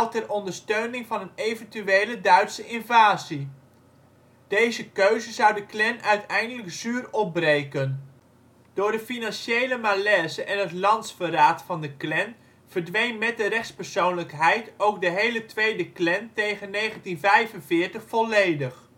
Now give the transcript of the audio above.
ter ondersteuning van een eventuele Duitse invasie. Deze keuze zou de Klan uiteindelijk zuur opbreken. Door de financiële malaise en het landsverraad van de Klan verdween met de rechtspersoonlijkheid ook de hele tweede Klan tegen 1945 volledig